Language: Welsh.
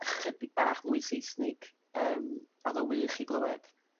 ychydig bach mwy Saesnig yym a oddo'n wych i glywed.